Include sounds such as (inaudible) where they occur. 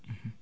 (hesitation) (hesitation)